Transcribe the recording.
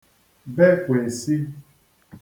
bekwèsi